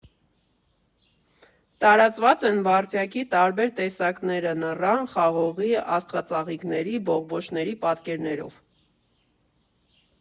Տարածված են վարդյակի տարբեր տեսակները նռան, խաղողի, աստղածաղիկների, բողբոջների պատկերներով։